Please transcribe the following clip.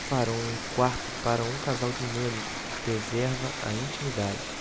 farão um quarto para um casal dinâmico que preserva a intimidade